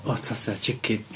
Oedd o fatha chicken